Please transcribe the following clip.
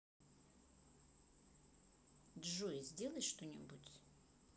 джой сделай что нибудь